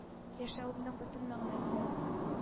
Яшәвемнең бөтен мәгънәсе.